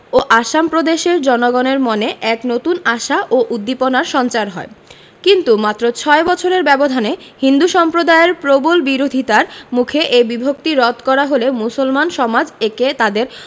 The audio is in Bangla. ও আসাম প্রদেশের জনগণের মনে এক নতুন আশা ও উদ্দীপনার সঞ্চার হয় কিন্তু মাত্র ছয় বছরের ব্যবধানে হিন্দু সম্প্রদায়ের প্রবল বিরোধিতার মুখে এ বিভক্তি রদ করা হলে মুসলমান সমাজ একে তাদের